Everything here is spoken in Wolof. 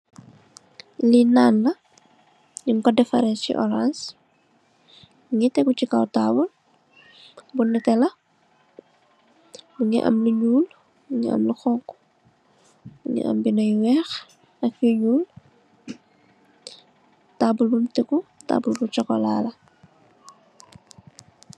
Li nan la nyung ko defare ci oranse mungi tegu ci kaw taabul bu nete la, mungi am lu ñuul, am lu xonxo mungi am binda yu weex, yu ñuul taabul mungi teggu taabul bu sokola.